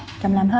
chồng làm hết